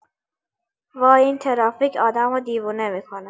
وای این ترافیک آدمو دیوونه می‌کنه